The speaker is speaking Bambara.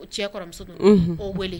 O cɛ kɔrɔmuso don o wele